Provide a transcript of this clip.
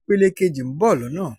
Ìpele kejì ń bọ̀ lọ́nà.